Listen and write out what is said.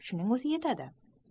shuning o'zi yetadi